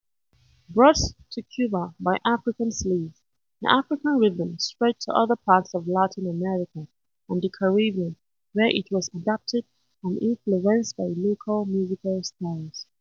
Brought to Cuba by African slaves, the African rhythm spread to other parts of Latin America and the Caribbean, where it was adapted and influenced by local musical styles.